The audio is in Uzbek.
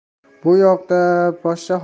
bu yoqda poshsha